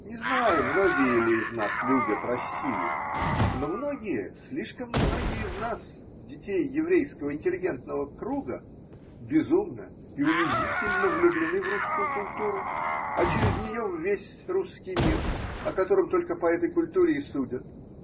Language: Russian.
Не знаю, многие ли из нас любят Россию, но многие, слишком многие из нас, детей еврейского интеллигентного круга, безумно и унизительно влюблены в русскую культуру, а через нее в весь русский мир, о котором только по этой культуре и судят.